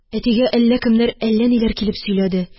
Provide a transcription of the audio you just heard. Әтигә әллә кемнәр әллә ниләр килеп сөйләде.